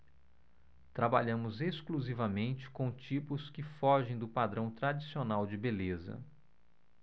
trabalhamos exclusivamente com tipos que fogem do padrão tradicional de beleza